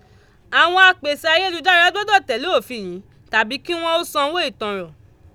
Àwọn apèsè ayélujára gbọdọ̀ tẹ̀lé òfin yìí tàbí kí wọ́n ó sanwó ìtanràn